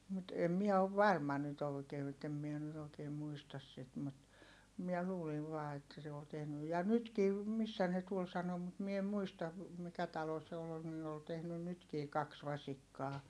mutta en minä ole varma nyt oikein että en minä nyt oikein muista sitä mutta minä luulin vain että se oli tehnyt ja nytkin missä ne tuolla sanoi mutta minä en muista mikä talo se oli niin oli tehnyt nytkin kaksi vasikkaa